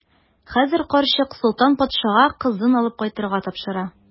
Хәзер карчык Солтан патшага кызын алып кайтып тапшыра.